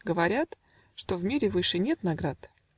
Говорят, Что в мире выше нет наград.